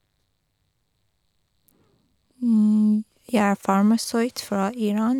Jeg er farmasøyt fra Iran.